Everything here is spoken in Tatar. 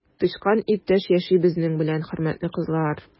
Тычкан иптәш яши безнең белән, хөрмәтле кызлар!